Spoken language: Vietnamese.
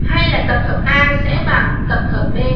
hay là tập hợp a sẽ bằng tập hợp b